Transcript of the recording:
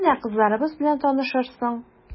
Менә кызларыбыз белән танышырсың...